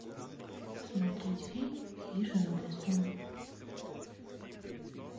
смотреть фильм хижина в лесу